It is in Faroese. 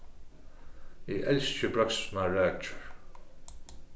eg elski broysknar rækjur